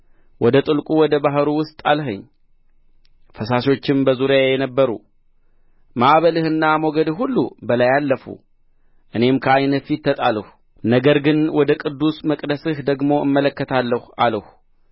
ወደ ጥልቁ ወደ ባሕሩ ውስጥ ጣልኸኝ ፈሳሾችም በዙሪያዬ ነበሩ ማዕበልህና ሞገድህ ሁሉ በላዬ አለፉ እኔም ከዓይንህ ፊት ተጣልሁ ነገር ግን ወደ ቅዱስ መቅደስህ ደግሞ እመለከታለሁ አልሁ